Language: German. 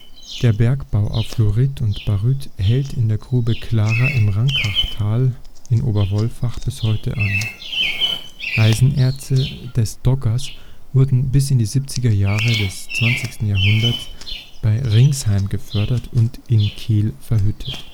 der Bergbau auf Fluorit und Baryt hält in der Grube Clara im Rankachtal in Oberwolfach bis heute an. Eisenerze des Doggers wurden bis in die 70er Jahre des 20. Jahrhunderts bei Ringsheim gefördert und in Kehl verhüttet